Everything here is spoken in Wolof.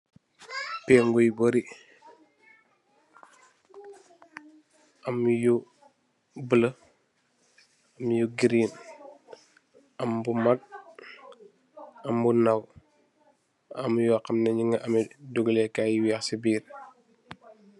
Pengu yu beri am yu bula, yu girin. Am bu mag, am bu ndaw, am yo xamne nyugi am dugalekay yu weex si biir.